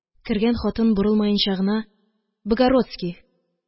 Кергән хатын, борылмаенча гына: